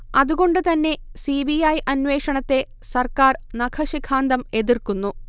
അതുകൊണ്ടു തന്നെ C. B. I അന്വേഷണത്തെ സർക്കാർ നഖശിഖാന്തം എതിർക്കുന്നു